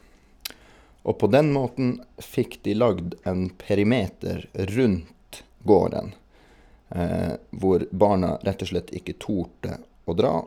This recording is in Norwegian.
Og på den måten fikk de lagd en perimeter rundt gården hvor barna rett og slett ikke turte å dra.